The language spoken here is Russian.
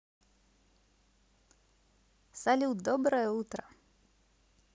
салют доброе утро